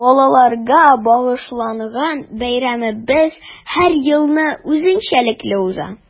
Балаларга багышланган бәйрәмебез һәр елны үзенчәлекле уза.